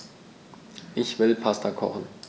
Ich will Pasta kochen.